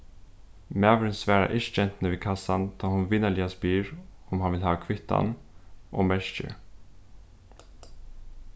maðurin svarar ikki gentuni við kassan tá hon vinarliga spyr um hann vil hava kvittan og merkir